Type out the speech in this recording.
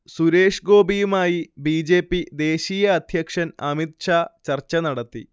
സുരേഷ് ഗോപിയുമായി B. J. P ദേശീയഅധ്യക്ഷൻ അമിത്ഷാ ചർച്ച നടത്തി